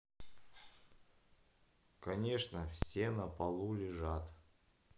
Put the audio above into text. конечно все на полу лежат